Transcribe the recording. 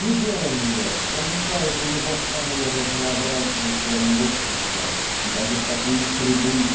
Неделание проникает у него в самые разнообразные слои общества и даже в такую среду